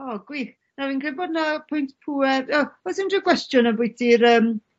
O gwych. Nawr fi'n credu bod 'na pwynt pŵer, o, o's unryw gwestiwn ambwytu'r yym